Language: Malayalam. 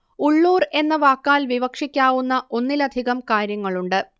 ഉള്ളൂർ എന്ന വാക്കാൽ വിവക്ഷിക്കാവുന്ന ഒന്നിലധികം കാര്യങ്ങളുണ്ട്